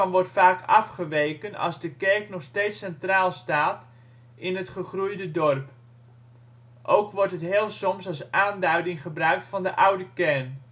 wordt vaak afgeweken als de kerk nog steeds centraal staat in het gegroeide dorp. Ook wordt het heel soms als aanduiding gebruikt van de oude kern